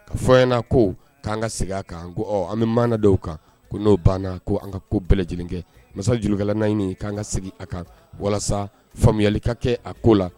Fɔyna ko k'an ka segin a kan ko ɔ an bɛ mana dɔw kan ko n'o banna ko an ka ko bɛɛ lajɛlen kɛ masajkɛla naɲini k'an ka segin a kan walasa faamuyayali ka kɛ a ko la